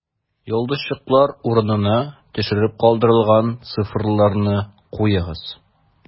Йолдызчыклар урынына төшереп калдырылган цифрларны куегыз: